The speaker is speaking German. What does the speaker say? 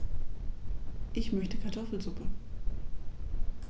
Ich möchte Kartoffelsuppe.